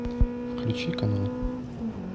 включи канал